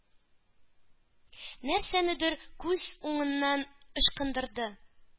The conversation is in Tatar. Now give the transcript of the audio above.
Нәрсәнедер күз уңыннан ычкындырды..